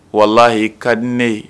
Walahi ka di ne ye